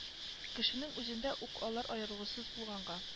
Кешенең үзендә үк алар аерылгысыз булганга